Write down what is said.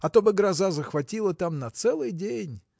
а то бы гроза захватила там на целый день.